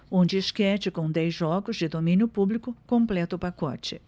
um disquete com dez jogos de domínio público completa o pacote